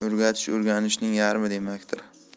o'rgatish o'rganishning yarmi demakdir